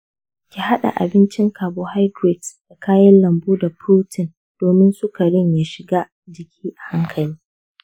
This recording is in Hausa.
ki haɗa abincin carbohydrates da kayan lambu da protein domin sukarin ya shiga jiki a hankali.